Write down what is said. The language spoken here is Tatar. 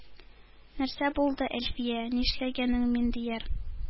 — нәрсә булды, әлфия? — нишләгәнен миндияр